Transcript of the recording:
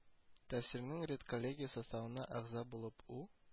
Тәфсирнең редколлегия составына әгъза булып У